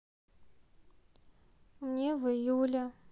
мне в июле